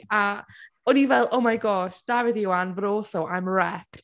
A o’n i fel, oh, my gosh, Dafydd Iwan, but also, I’m wrecked.